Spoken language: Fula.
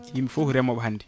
yimɓe foof ko reemoɓe hannde